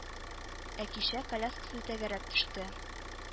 Ә кичә коляскасы тәгәрәп төште